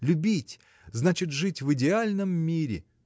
Любить – значит жить в идеальном мире.